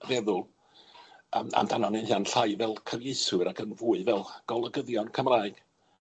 feddwl am- amdanon ni'n hunan llai fel cyfieithwyr ac yn fwy fel golygyddion Cymraeg,